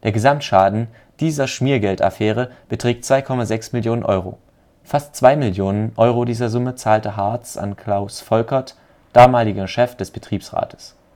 Gesamtschaden dieser Schmiergeld-Affäre beträgt 2,6 Millionen Euro. Fast zwei Millionen Euro dieser Summe zahlte Hartz an Klaus Volkert, damaliger Chef des Betriebsrats